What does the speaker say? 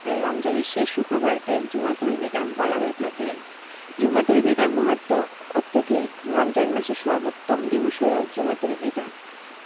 তাই রমজানের শেষ শুক্রবারকে জুমাতুল বিদা বলা হয়ে থাকে জুমাতুল বিদার মাহাত্ম্য অত্যধিক রমজান মাসের সর্বোত্তম দিবস হলো জুমাতুল বিদা